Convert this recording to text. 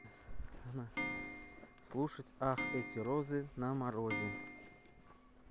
слушать ах эти розы на морозе